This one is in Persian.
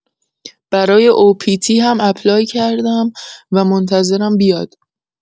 برای OPT هم اپلای کردم و منتظرم بیاد.